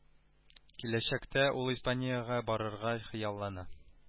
Киләчәктә ул испаниягә барырга хыяллана